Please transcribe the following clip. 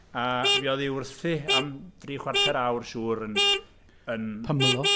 A fuodd hi wrthi am dri chwarter awr, siŵr yn... yn... Pymlo?